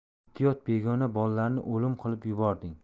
yetti yot begona bolalarni olim qilib yubording